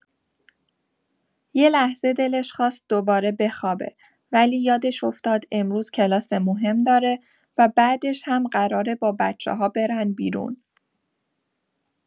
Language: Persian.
یه لحظه دلش خواست دوباره بخوابه، ولی یادش افتاد امروز کلاس مهم داره و بعدش هم قراره با بچه‌ها برن بیرون.